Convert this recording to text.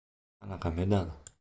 qanaqa medal